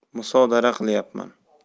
musodara qilyapman